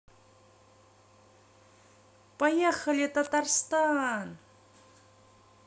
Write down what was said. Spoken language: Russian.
поехали татарстан